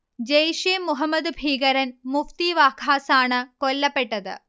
ജെയ്ഷെ മുഹമ്മദ് ഭീകരൻ മുഫ്തി വഖാസ് ആണ് കൊല്ലപ്പെട്ടത്